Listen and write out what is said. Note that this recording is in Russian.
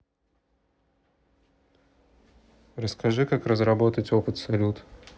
расскажи как разработать опыт салют